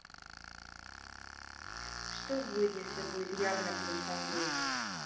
что будет если будет явно плюс андрей